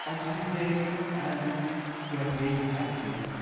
Ond sy ddim yn... wedi aeddfedu.